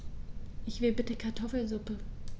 Ich will bitte Kartoffelsuppe.